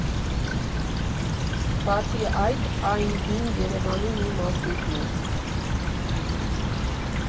Բացի այդ, այն հին Երևանի մի մասնիկն էր։